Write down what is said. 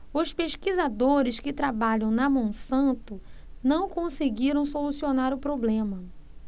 os pesquisadores que trabalham na monsanto não conseguiram solucionar o problema